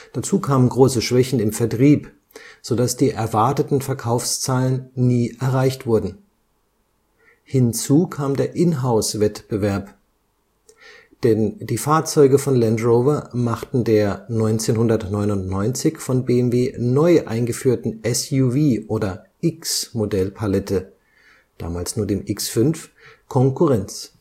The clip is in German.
Dazu kamen große Schwächen im Vertrieb, so dass die erwarteten Verkaufszahlen nie erreicht wurden. Hinzu kam der „ Inhouse “- Wettbewerb. Denn die Fahrzeuge von Land Rover machten der 1999 von BMW neu eingeführten SUV - oder X-Modellpalette (damals nur dem X5) Konkurrenz